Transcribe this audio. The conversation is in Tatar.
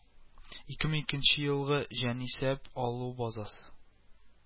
Ике мең икенче елгы җанисәп алу базасы